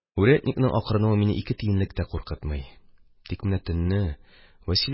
Урядникның акырынуы мине ике тиенлек тә куркытмый, тик менә төнне Вәсилә